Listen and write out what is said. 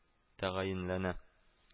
Тәгаенләнә